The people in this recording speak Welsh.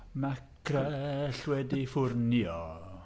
Macrell wedi ffwrnio.